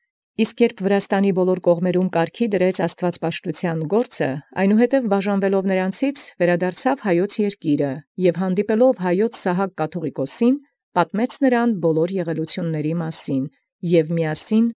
Իսկ իբրև ընդ ամենայն տեղիս Վրաց կարգեալ զգործ աստուածպաշտութեանն, այնուհետև հրաժարեալ ի նոցանէ՝ դառնայր յերկիրն Հայոց և պատահեալ Սահակայ կաթուղիկոսին Հայոց, պատմէր նմա զողջութենէ եղելոցն, միանգամայն և։